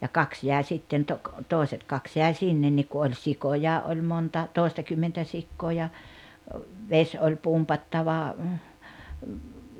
ja kaksi jäi sitten - toiset kaksi jäi sinne niin kun oli sikoja oli monta toistakymmentä sikaa ja vesi oli pumpattava